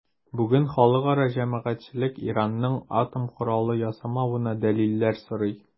Бүген халыкара җәмәгатьчелек Иранның атом коралы ясамавына дәлилләр сорый.